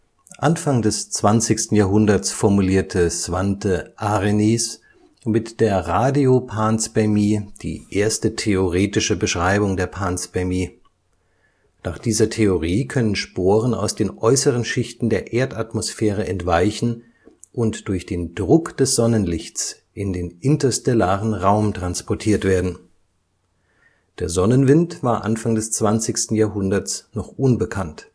Anfang des 20. Jahrhunderts formulierte Svante Arrhenius mit der Radio-Panspermie die erste theoretische Beschreibung der Panspermie (1903 / 1908). Nach dieser Theorie können Sporen aus den äußeren Schichten der Erdatmosphäre entweichen und durch den Druck des Sonnenlichts in den interstellaren Raum transportiert werden (der Sonnenwind war Anfang des 20. Jahrhunderts noch unbekannt